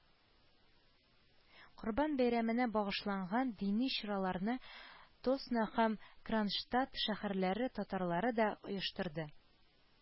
Корбан бәйрәменә багышланган дини чараларны Тосно һәм Кронштадт шәһәрләре татарлары да оештырды